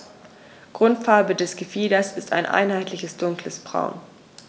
Grundfarbe des Gefieders ist ein einheitliches dunkles Braun.